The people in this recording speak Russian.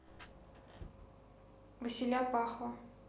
василя пахло